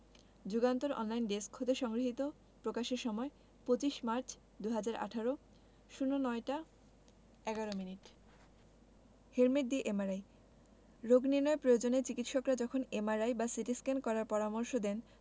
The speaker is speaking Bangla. যুগান্তর অনলাইন ডেস্ক হতে সংগৃহীত প্রকাশের সময় ২৫ মার্চ ২০১৮ ০৯ টা ১১ মিনিট হেলমেট দিয়ে এমআরআই রোগ নির্নয়ের প্রয়োজনে চিকিত্সকরা যখন এমআরআই বা সিটিস্ক্যান করার পরামর্শ দেন